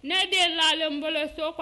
Ne den lalenboloso